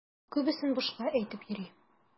Күбесен бушка әйтеп йөри.